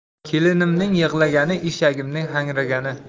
kelinimning yig'lagani eshagimning hangragani